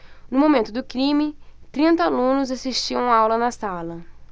no momento do crime trinta alunos assistiam aula na sala